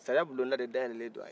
saya bulonda de dayɛlɛlen do a ye